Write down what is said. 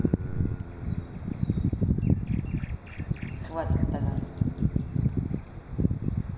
хватит толян